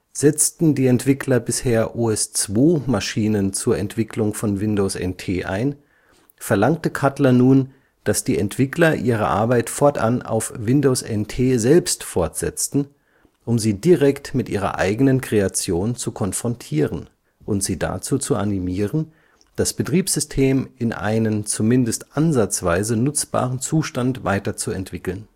Setzten die Entwickler bisher OS/2-Maschinen zur Entwicklung von Windows NT ein, verlangte Cutler nun, dass die Entwickler ihre Arbeit fortan auf Windows NT selbst fortsetzten, um sie direkt mit ihrer eigenen Kreation zu konfrontieren und sie dazu zu animieren, das Betriebssystem in einen zumindest ansatzweise nutzbaren Zustand weiterzuentwickeln